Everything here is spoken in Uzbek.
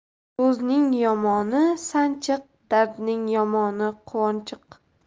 so'zning yomoni sanchiq dardning yomoni quyonchiq